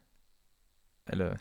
Eller...